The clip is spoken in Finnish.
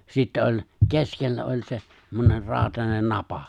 sitten oli keskellä oli se semmoinen rautainen napa